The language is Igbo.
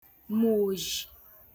mmụọ̀ozhī